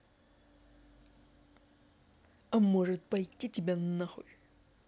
а может пойти тебя нахуй